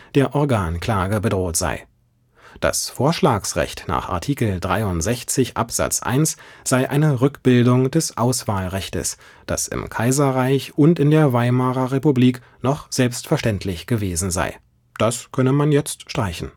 der Organklage bedroht sei. Das Vorschlagsrecht nach Artikel 63 Absatz 1 sei eine Rückbildung des Auswahlrechtes, das im Kaiserreich und in der Weimarer Republik noch selbstverständlich gewesen sei. Das könne man jetzt streichen